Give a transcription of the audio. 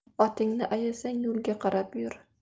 otingni ayasang yo'lga qarab yur